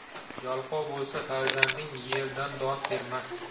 yalqov bo'lsa farzanding yerdan don termas